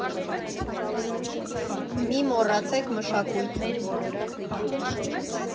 Մի մոռացեք մշակույթը։